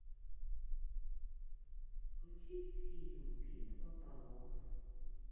включи фильм битва полов